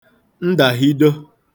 ndàhide